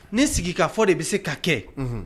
Ne sigi ka fɔ de bɛ se ka kɛ